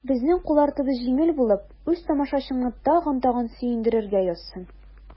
Безнең кул артыбыз җиңел булып, үз тамашачыңны тагын-тагын сөендерергә язсын.